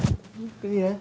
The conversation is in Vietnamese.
cái gì ấy